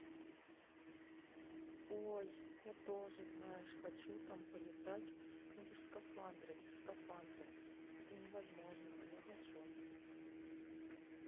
ой я тоже знаешь хочу там полетать ну без скафандра без без скафандра это невозможно а я хочу